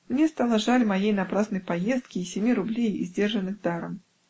Мне стало жаль моей напрасной поездки и семи рублей, издержанных даром.